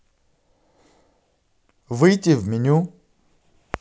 выйти в меню